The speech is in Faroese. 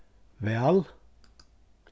væl